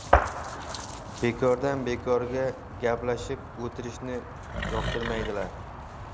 bekordan bekorga gaplashib o'tirishni yoqtirmaydilar